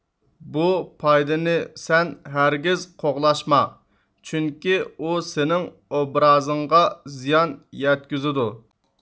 بۇ پايدىنى سەن ھەرگىز قوغلاشما چۈنكى ئۇ سېنىڭ ئوبرازىڭغا زىيان يەتكۈزىدۇ